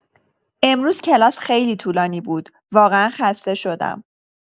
امروز کلاس خیلی طولانی بود واقعا خسته شدم